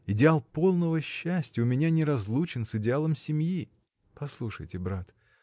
Идеал полного счастья у меня неразлучен с идеалом семьи. — Послушайте, брат.